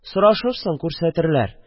Сорашырсың – күрсәтерләр.